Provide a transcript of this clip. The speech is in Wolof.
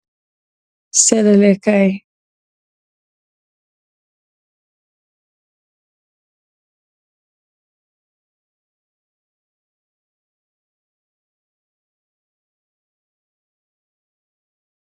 Seedaleekaay